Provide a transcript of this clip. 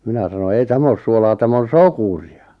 minä sanoin ei tämä ole suolaa tämä on sokeria